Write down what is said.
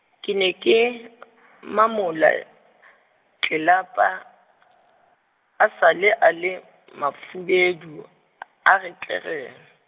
ke ne ke , mamola, tlelapa, a sale a le, mofubedu, a a re tlere.